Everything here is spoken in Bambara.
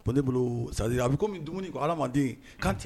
Ko ne bolo a bɛ ko dumuni ko ala kan tɛ